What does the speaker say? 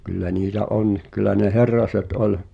kyllä niitä on kyllä ne Herraset oli